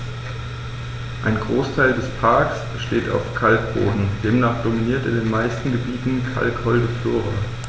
Ein Großteil des Parks steht auf Kalkboden, demnach dominiert in den meisten Gebieten kalkholde Flora.